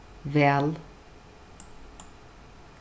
væl